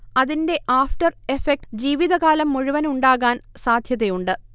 അതിന്റെ after effect ജീവിതകാലം മുഴുവൻ ഉണ്ടാകാൻ സാധ്യതയുണ്ട്